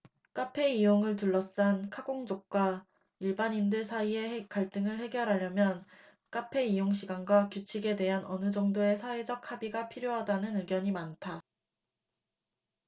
카페 이용을 둘러싼 카공족과 일반인들 사이의 갈등을 해결하려면 카페 이용시간과 규칙에 대한 어느 정도의 사회적 합의가 필요하다는 의견이 많다